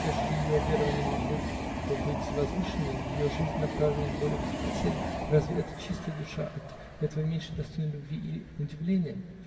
ежели ее верования могли бы быть возвышеннее, ее жизнь направлена к более высокой цели, разве эта чистая душа от этого меньше достойна любви и удивления?